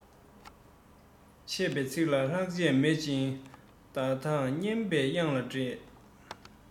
འཆད པའི ཚིག ལ ལྷག ཆད མེད ཅིང བརྡ དག སྙན པའི དབྱངས ལ འདྲེས